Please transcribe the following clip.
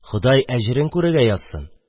Ходай әҗерен күрергә язсын!